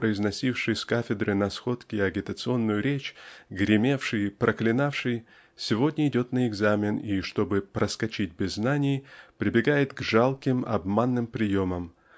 произносивший с кафедры на сходке агитационную речь гремевший и проклинавший сегодня идет на экзамен и чтобы "проскочить" без знаний прибегает к жалким обманным приемам